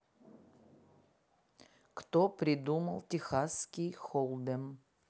кто придумал техасский холдем